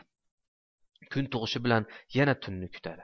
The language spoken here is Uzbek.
kun tug'ishi bilan yana tunni kutadi